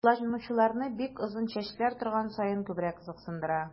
Кулланучыларны бик озын чәчләр торган саен күбрәк кызыксындыра.